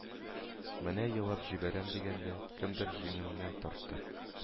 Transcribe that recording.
Менә елап җибәрәм дигәндә, кемдер җиңемнән тартты